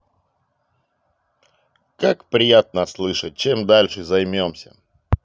как приятно слышать чем дальше займемся